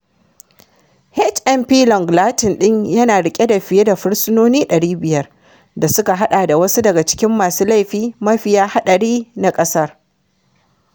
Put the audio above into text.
HMP Long Lartin ɗin yana riƙe da fiye da fursunoni 500, da suka haɗa da wasu daga cikin masu laifi mafiya haɗari na ƙasar.